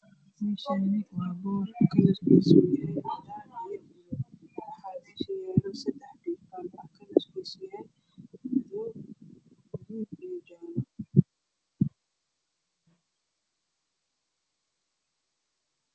Meeshaani waa kalarkisa yahay madow waxa meesha yaalo sadex kalarkisa yahay